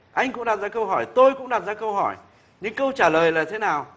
anh cũng đặt ra câu hỏi tôi cũng đặt ra câu hỏi nhưng câu trả lời là thế nào